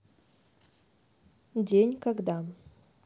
день когда